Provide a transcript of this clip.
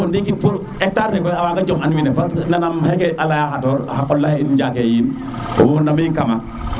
ndiki pour hectar ne koy a wa jomb an wiin we parce que: na naam xeke a leya xatoor xa qola xe in njake nene mon ami kama